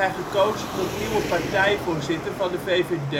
gekozen tot nieuwe partijvoorzitter van de VVD